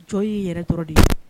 Jɔn y'i yɛrɛ dɔrɔn de ye.